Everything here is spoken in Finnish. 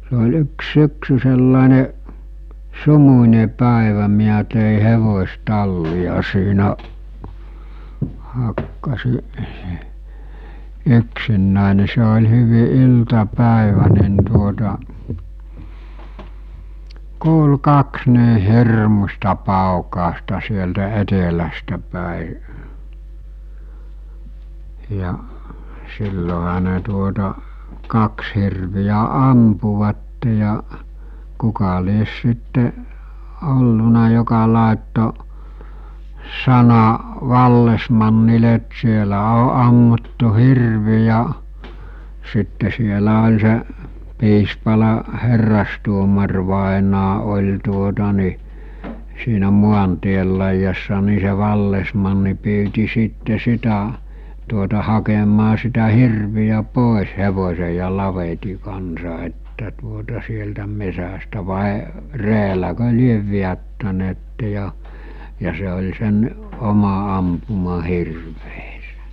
se oli yksi syksy sellainen sumuinen päivä minä tein hevostallia siinä hakkasin yksinäni niin se oli hyvin iltapäivä niin tuota kuului kaksi niin hirmuista paukausta sieltä etelästä päin ja silloinhan ne tuota kaksi hirveä ampuivat ja kuka lie sitten ollut joka laittoi sanan vallesmannille että siellä on ammuttu hirvi ja sitten siellä oli se Piispalan herrastuomarivainaja oli tuota niin siinä maantien laidassa niin se vallesmanni pyysi sitten sitä tuota hakemaan sitä hirveä pois hevosen ja lavetin kanssa että tuota sieltä metsästä vai reelläkö lie vedättäneet ja ja se oli sen oma ampuma hirvensä